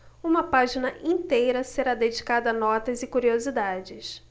uma página inteira será dedicada a notas e curiosidades